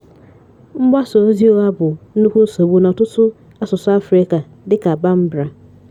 Mgbasa oziụgha bụ nnukwu nsogbu n'ọtụtụ asụsụ Africa dịka Bambara.